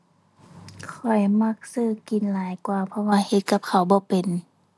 ข้อยมักซื้อกินหลายกว่า เพราะว่าเฮ็ดกับข้าวบ่เป็น